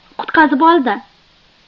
qutqazib oldi